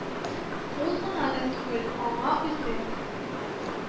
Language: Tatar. Ул гына да түгел, аңа үзе